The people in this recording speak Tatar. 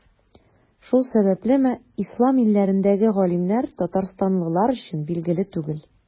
Шул сәбәплеме, Ислам илләрендәге галимнәр Татарстанлылар өчен билгеле түгел.